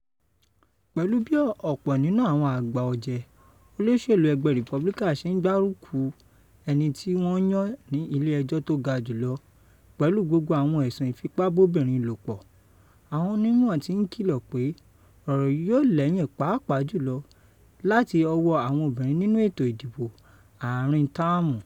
Pẹ̀lú bí ọ̀pọ̀ nínú àwọn àgbà ọ̀jẹ̀ olóṣèlú ẹgbẹ́ republican ṣe ń gbárùkù ẹni tí wọ́n yàn ní ilé ẹjọ́ tí ó ga jù lọ pẹ̀lú gbogbo àwọn ẹ̀sùn ìfipábóbìnrin lòpọ̀, àwọn onímọ̀ tí ń kìlọ̀ pé ọ̀rọ̀ yìí yóò lẹ́yìn pàápàá jùlọ láti ọwọ́ àwọn obìnrin nínú ètò ìdìbò áàrin táàmù.